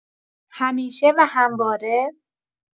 همیشه و همواره